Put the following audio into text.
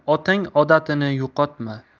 ham otang odatini qo'yma